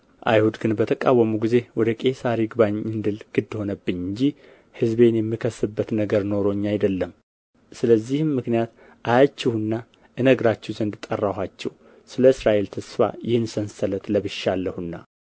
አይሁድ ግን በተቃወሙ ጊዜ ወደ ቄሣር ይግባኝ እንድል ግድ ሆነብኝ እንጂ ሕዝቤን የምከስበት ነገር ኖሮኝ አይደለም ስለዚህም ምክንያት አያችሁና እነግራችሁ ዘንድ ጠራኋችሁ ስለ እስራኤል ተስፋ ይህን ሰንሰለት ለብሻለሁና